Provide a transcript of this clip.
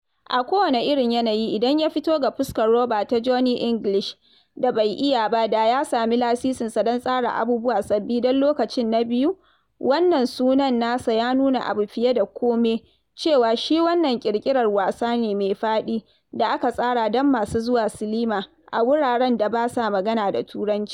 A kowane irin yanayi, idon ya fito ga fuskar roba ta Johnny English da bai iya ba da ya sami lasisinsa don tsara abubuwa sababbi don lokaci na biyu - wannan sunan nasa ya nuna abu fiye da kome cewa shi wani ƙirƙirar wasa ne mai faɗi da aka tsara don masu zuwa silima a wuraren da ba sa magana da Turanci.